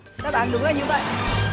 đáp án đúng là như vậy